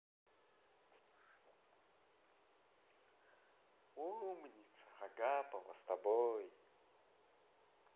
умница агапова с тобой